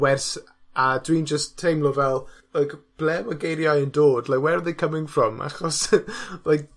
wers, a dwi'n jyst teimlo fel yy gy- ble ma' geiriau yn dod li'e where are they coming from achos roedd